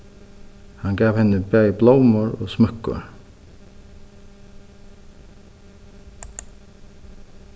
hann gav henni bæði blómur og smúkkur